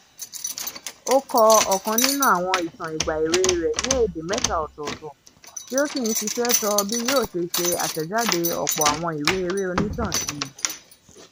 Ó kọ ọ̀kan nínú àwọn ìtàn ìgbà èwe rẹ̀ ní èdè 3 ọ̀tọ̀ọ̀tọ̀, tí ó sì ń ṣiṣẹ́ tọ bí yóò ṣe ṣe àtẹ̀jáde ọ̀pọ̀ àwọn ìwé eré onítàn síi.